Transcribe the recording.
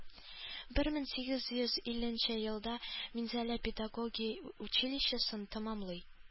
Бер мең сигез йөз илленче елда Минзәлә педагогия училищесын тәмамлый